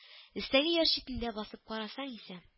Өстәге яр читенә басып карасаң исә